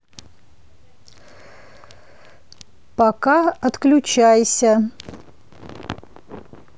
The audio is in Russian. пока отключайся